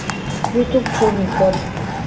ютуб черный кот